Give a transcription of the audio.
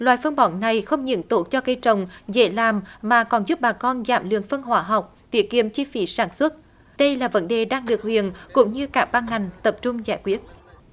loại phân bón này không những tốt cho cây trồng dễ làm mà còn giúp bà con giảm lượng phân hóa học tiết kiệm chi phí sản xuất đây là vấn đề đang được huyện cũng như các ban ngành tập trung giải quyết